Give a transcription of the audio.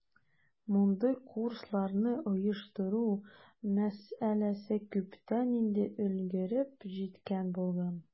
Мондый курсларны оештыру мәсьәләсе күптән инде өлгереп җиткән булган.